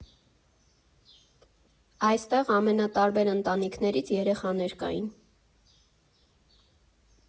Այստեղ ամենատարբեր ընտանիքներից երեխաներ կային։